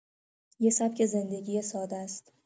یه سبک زندگی ساده‌ست.